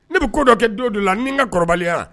Ne bɛ ko dɔ kɛ don don la ni n ka kɔrɔbaliya